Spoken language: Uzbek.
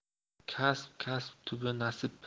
kasb kasb tubi nasib